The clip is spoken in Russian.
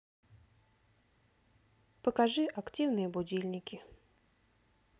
покажи активные будильники